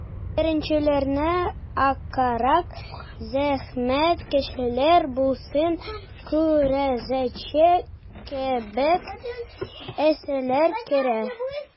Беренчеләренә «Карак», «Зәхмәт», «Кишер басуы», «Күрәзәче» кебек әсәрләр керә.